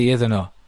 ...di iddyn nw?